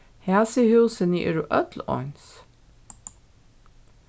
hasi húsini eru øll eins